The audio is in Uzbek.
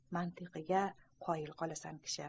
mantiqiga qoyil qolasan kishi